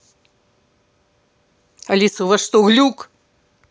алиса у вас что глюк